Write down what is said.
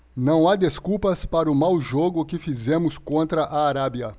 não há desculpas para o mau jogo que fizemos contra a arábia